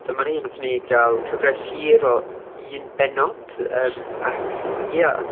Dyma ni. Wnathon ni gael cyfres hir o un bennod, yym, ac, ia...